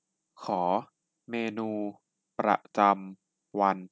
ขอเมนูประจำวัน